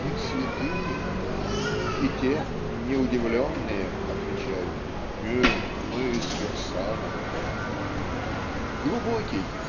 "Вы святые?" - и те, не удивленные, отвечают "Нет, мы из Фирсанова". Глубокий